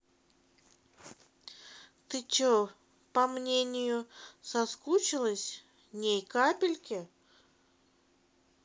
ты че по мнению соскучилась ней капельки